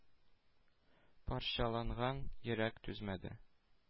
Парчаланган йөрәк түзмәде.